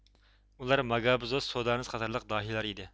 ئۇلار ماگابىزوس سودانىس قاتارلىق داھىيلار ئىدى